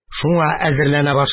Шуңа әзерләнә башладылар